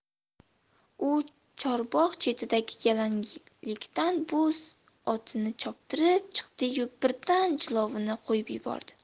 u chorbog' chetidagi yalanglikdan bo'z otni choptirib chiqdi yu birdan jilovni qo'yib yubordi